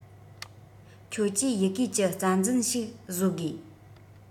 ཁྱོད ཀྱིས ཡི གེ ཀྱི རྩ འཛིན ཞིག བཟོ དགོས